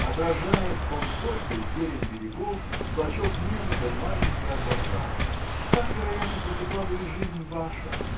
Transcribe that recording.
отражает он только зелень берегов, клочок неба да маленькие облака. Так вероятно протекла бы и жизнь ваша